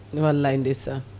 wallay ndeysan